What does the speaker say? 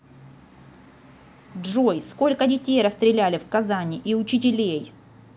джой сколько детей растреляли в казани и учителей